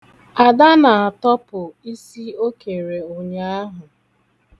Ada na-atọpụ isi o kere ụnyaahụ.